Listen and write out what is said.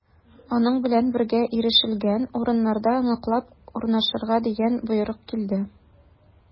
Аның белән бергә ирешелгән урыннарда ныклап урнашырга дигән боерык килде.